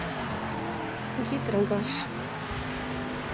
гидрогаш